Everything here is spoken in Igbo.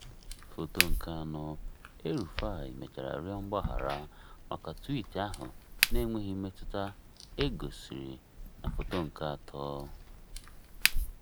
Foto nke 4: El-Rufai mechara rịọ mgbaghara maka twiiti ahụ "na-enweghị mmetụta" e gosiri na Foto nke 3.